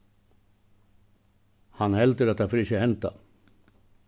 hann heldur at tað fer ikki at henda